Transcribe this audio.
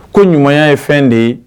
Ko ɲuman ye fɛn de ye